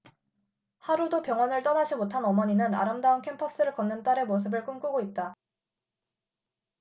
하루도 병원을 떠나지 못한 어머니는 아름다운 캠퍼스를 걷는 딸의 모습을 꿈꾸고 있다